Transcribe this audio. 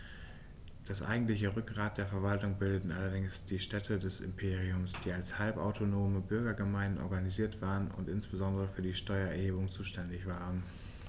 Das eigentliche Rückgrat der Verwaltung bildeten allerdings die Städte des Imperiums, die als halbautonome Bürgergemeinden organisiert waren und insbesondere für die Steuererhebung zuständig waren.